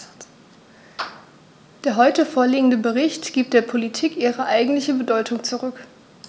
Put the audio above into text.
Der heute vorliegende Bericht gibt der Politik ihre eigentliche Bedeutung zurück.